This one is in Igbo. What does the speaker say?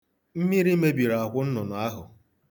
Mmiri mebiri akwụ nnụnụ ahụ.